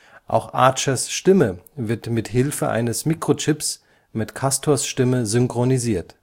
Auch Archers Stimme wird mithilfe eines Microchips mit Castors Stimme synchronisiert